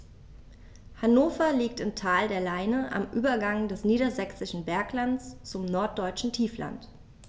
Hannover liegt im Tal der Leine am Übergang des Niedersächsischen Berglands zum Norddeutschen Tiefland.